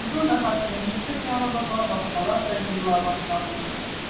Безнең бәхәсне ишетеп яныбызга башкалар да җыела башлады.